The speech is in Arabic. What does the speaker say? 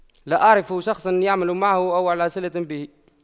لا اعرف شخصا يعمل معه أو على صلة به